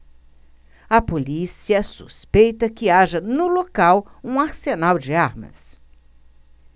a polícia suspeita que haja no local um arsenal de armas